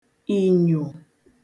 ìnyò